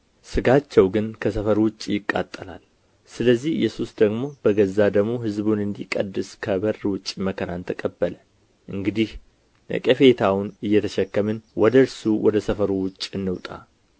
ሥጋቸው ግን ከሰፈሩ ውጭ ይቃጠላል ስለዚህ ኢየሱስ ደግሞ በገዛ ደሙ ሕዝቡን እንዲቀድስ ከበር ውጭ መከራን ተቀበለ እንግዲህ ነቀፌታውን እየተሸከምን ወደ እርሱ ወደ ሰፈሩ ውጭ እንውጣ